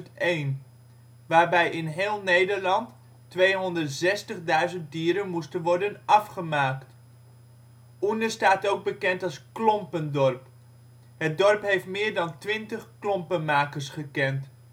2001, waarbij in heel Nederland 260.000 dieren moesten worden afgemaakt. Oene staat ook bekend als ' klompendorp '. Het dorp heeft meer dan 20 klompenmakers gekend. Wat